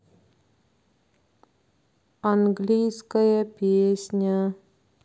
английская песня